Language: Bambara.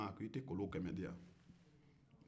a ko maa i t ɛ kolon 100 di yan